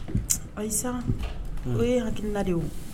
Ayi oo ye hakiina de ye